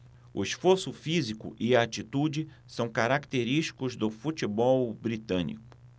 o esforço físico e a atitude são característicos do futebol britânico